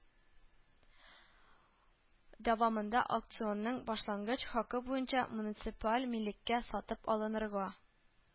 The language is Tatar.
Дәвамында аукционның башлангыч хакы буенча муниципаль милеккә сатып алынырга